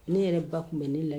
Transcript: Ne yɛrɛ ba tun bɛ ne la